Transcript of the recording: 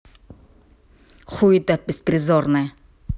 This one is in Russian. хуета беспризорная